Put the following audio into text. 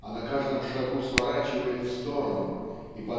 а на каждом шагу сворачивает в сторону и